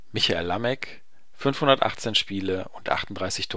Michael Lameck, 518 Spiele und 38